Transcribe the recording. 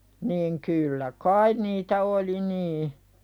niin kyllä kai niitä oli niin